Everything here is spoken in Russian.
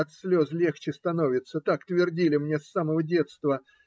От слез легче становится, как твердили мне с самого детства